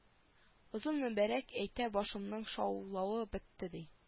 Озын мөбарәк әйтә башымның шаулавы бетте ди